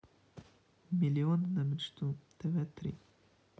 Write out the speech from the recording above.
миллион на мечту тв три